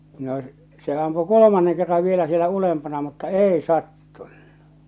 no se ampui kolmannen kerran vielä siellä ylempänä mutta ei sattunut